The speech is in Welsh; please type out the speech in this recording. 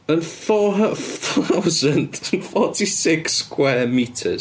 Yn four hu- four thousand and forty six square metres.